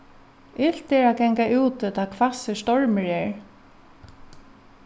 ilt er at ganga úti tá hvassur stormur er